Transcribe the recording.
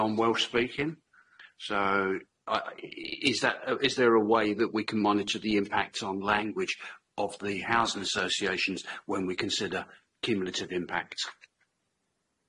non-Welsh speaking so yy i- i- i- is that yy is there a way that we can monitor the impact on language of the housing associations when we consider cumulative impact?